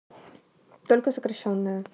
только сокращенная